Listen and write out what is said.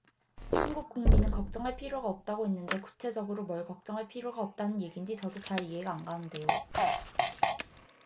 한국 국민은 걱정할 필요가 없다고 했는데 구체적으로 뭘 걱정할 필요가 없다는 얘긴지 저도 잘 이해가 안 가는데요